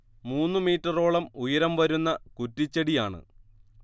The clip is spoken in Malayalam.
മൂന്നു മീറ്ററോളം ഉയരം വരുന്ന കുറ്റിച്ചെടിയാണ്